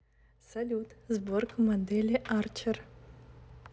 салют сборка модели арчер